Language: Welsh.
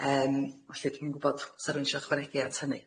Yym felly, dwi'm yn gwbod sa rwy'n isio ychwanegu at hynny.